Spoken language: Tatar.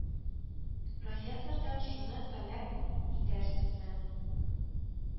Профессордан шуны таләп итәрсезме